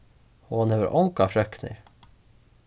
hon hevur ongar frøknur